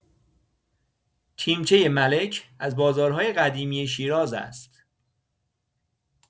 تیمچه ملک از بازارهای قدیمی شیراز است.